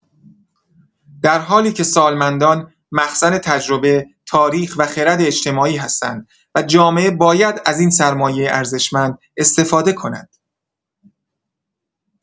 در حالی که سالمندان مخزن تجربه، تاریخ و خرد اجتماعی هستند و جامعه باید از این سرمایه ارزشمند استفاده کند.